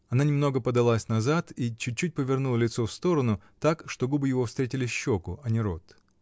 Она немного подалась назад и чуть-чуть повернула лицо в сторону, так, что губы его встретили щеку, а не рот.